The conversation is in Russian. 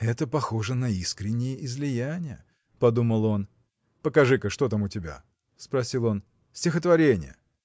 Это похоже на искренние излияния, – подумал он. – Покажи-ка, что там у тебя? – спросил он, – стихотворения?